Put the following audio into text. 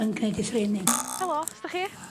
...yn gneud eu threining. Hylo. Su' 'dach chi?